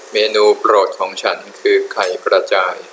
เมนูโปรดของฉันคือไข่กระจาย